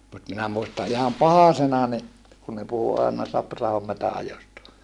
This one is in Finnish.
mutta minä muistan ihan pahasena niin kun ne puhui aina Sapra-ahon metsänajosta